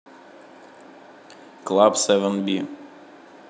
клаб севен би